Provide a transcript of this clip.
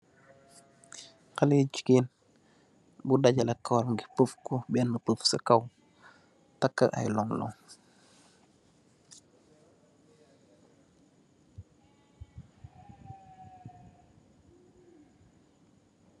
Xalé jigéen bu dajelee kawaram ngi pëf ko, beena pëf si kow. Takkë ay long long.